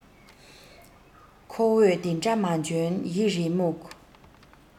ཁོ བོས དེ འདྲ མ འཇོན ཡིད རེ རྨུགས